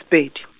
e pedi.